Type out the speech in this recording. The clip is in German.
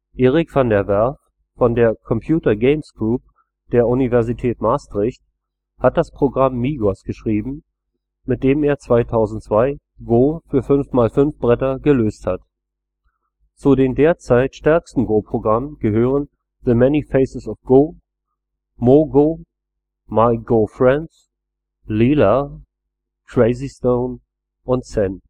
Erik van der Werf von der „ Computer Games Group “der Universität Maastricht hat das Programm Migos geschrieben, mit dem er 2002 Go für 5×5-Bretter gelöst hat. Zu den derzeit stärksten Go-Programmen gehören The Many Faces of Go, MoGo, MyGoFriend, Leela, Crazystone und Zen